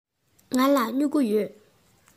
ང ལ སྨྱུ གུ ཡོད